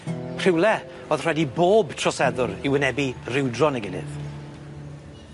Rhywle o'dd rhaid i bob troseddwr 'i wynebu rywdro ne' gilydd.